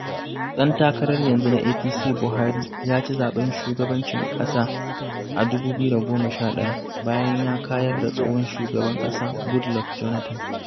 ɗan takarar 'yanzu na APC, Buhari, ya ci zaɓen shugabancin ƙasa a 2011 bayan ya kayar da tsohon shugaban ƙasa Goodluck Jonathan.